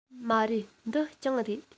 མ རེད འདི གྱང རེད